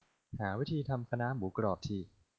หาวิธีทำคะน้าหมูกรอบที